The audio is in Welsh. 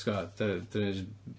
Ti gwbod, dan ni dan ni jyst yn...